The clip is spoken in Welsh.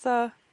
So